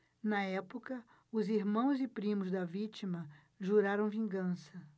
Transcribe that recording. na época os irmãos e primos da vítima juraram vingança